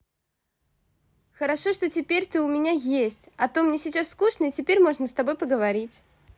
хорошо что теперь ты у меня есть а то мне сейчас скучно и теперь можно с тобой поговорить